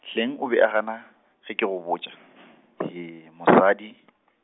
hleng o be a gana, ge ke go botša, hee mosadi .